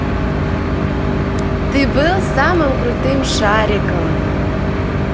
ты был самым крутым шариком